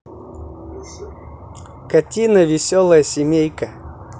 катина веселая семейка